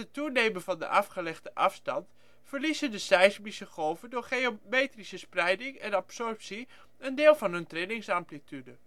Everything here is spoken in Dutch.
toenemen van de afgelegde afstand verliezen de seismische golven door geometrische spreiding en absorptie een deel van hun trillingsamplitude